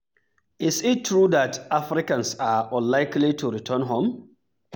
Is it true that Africans are unlikely to return home?